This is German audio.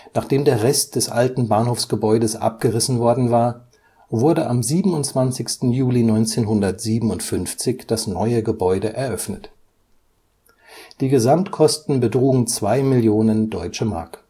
Nachdem der Rest des alten Bahnhofsgebäudes abgerissen worden war, wurde am 27. Juli 1957 das neue Gebäude eröffnet. Die Gesamtkosten betrugen 2 Millionen Deutsche Mark